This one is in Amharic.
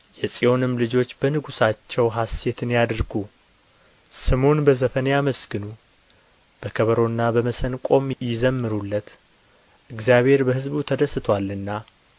የጽዮንም ልጆች በንጉሣቸው ሐሤትን ያድርጉ ስሙን በዘፈን ያመስግኑ በከበሮና በመሰንቆም ይዘምሩለት እግዚአብሔር በሕዝቡ ተደስቶአልና